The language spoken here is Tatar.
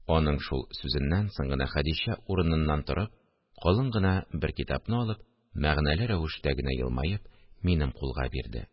Аның шул сүзеннән соң гына Хәдичә урыныннан торып, калын гына бер китапны алып, мәгънәле рәвештә генә елмаеп, минем кулга бирде